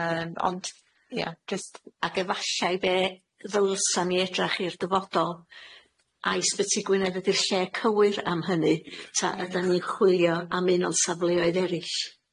Yym ond, ia jyst ag efallai be' ddylsan ni edrach i'r dyfodol ai sbyty Gwynedd ydi'r lle cywir am hynny, ta ydan ni'n chwilio am un o'n safleoedd eryll.